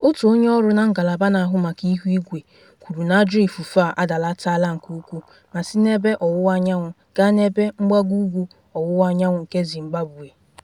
Otu onye ọrụ na Ngalaba na-ahụ Maka Ihuigwe kwuru na ajọ ifufe a adalatala nke ukwuu ma si n'ebe ọwụwaanyanwụ gaa n'ebe mgbagougwu ọwụwaanyanwụ nke Zimbabwe.